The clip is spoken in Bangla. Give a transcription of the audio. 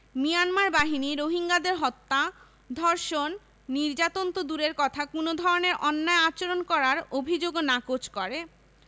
মিয়ানমার বাহিনী রোহিঙ্গাদের হত্যা ধর্ষণ নির্যাতন তো দূরের কথা কোনো ধরনের অন্যায় আচরণ করার অভিযোগও নাকচ করে